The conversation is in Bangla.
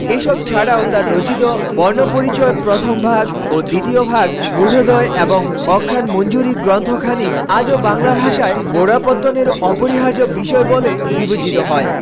এসব ছাড়াও তার রচিত বর্ণপরিচয় প্রথম ভাগ ও দ্বিতীয় ভাগ বোধোদয় এবং অখ্যানমঞ্জুরী গ্রন্থখানি আজও বাংলা ভাষার গোড়াপত্তনের অপরিহার্য বিষয় বলে বিবেচিত হয়